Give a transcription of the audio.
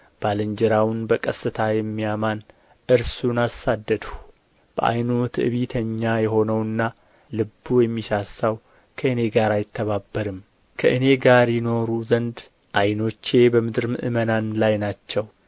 ባልንጀራውን በቀስታ የሚያማን እርሱን አሳደድሁ በዓይኑ ትዕቢተኛ የሆነውና ልቡ የሚሳሳው ከእኔ ጋር አይተባበርም ከእኔ ጋር ይኖሩ ዘንድ ዓይኖቼ በምድር ምእመናን ላይ ናቸው